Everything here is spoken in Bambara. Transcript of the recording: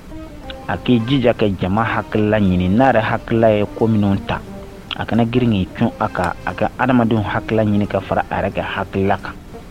A k i jija kɛ jama hala ɲini n a yɛrɛ hakilila ye ko minnu ta a kana giririn i c a kan a kɛ adamadenw hala ɲini ka fara a kɛ hala kan